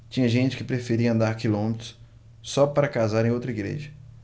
tinha gente que preferia andar quilômetros só para casar em outra igreja